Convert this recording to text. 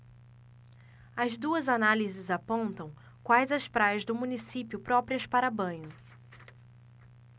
as duas análises apontam quais as praias do município próprias para banho